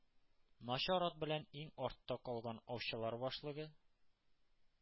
Начар ат белән иң артта калган аучылар башлыгы